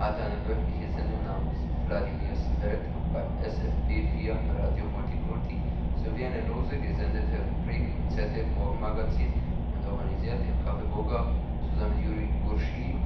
eine wöchentliche Sendung namens Wladimirs Welt beim SFB 4 Radio Multikulti sowie eine lose gesendete Rubrik im ZDF-Morgenmagazin und organisiert im Kaffee Burger zusammen mit Yuriy Gurzhy